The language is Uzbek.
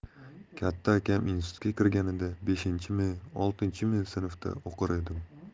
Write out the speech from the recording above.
katta akam institutga kirganida beshinchimi oltinchimi sinfda o'qir edim